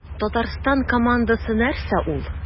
Татарстан командасы нәрсә ул?